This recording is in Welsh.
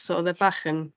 So oedd e bach yn...